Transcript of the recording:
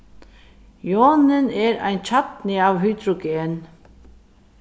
jonin er ein kjarni av hydrogen